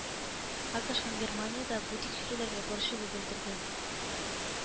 АКыШ һәм Германия дә бу тикшерүләргә борчылу белдерде